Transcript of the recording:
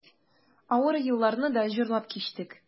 Авыр елларны да җырлап кичтек.